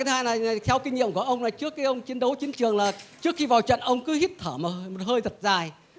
cái thứ hai là theo kinh nghiệm của ông là trước khi ông chiến đấu chiến trường là trước khi vào trận ông cứ hít thở một hơi thật dài